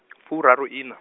furaruiṋa.